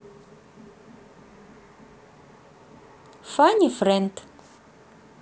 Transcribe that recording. funny friend